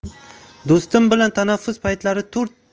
do'stim bilan tanaffus paytlari to'rt